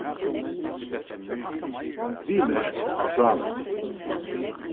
viðmerk á tráðnum